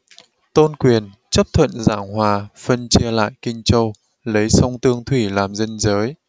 tôn quyền chấp thuận giảng hòa phân chia lại kinh châu lấy sông tương thủy làm ranh giới